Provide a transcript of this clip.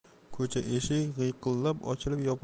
ko'cha eshik g'iyqillab ochilib